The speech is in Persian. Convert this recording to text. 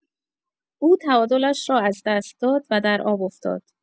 او تعادلش را از دست داد و در آب افتاد.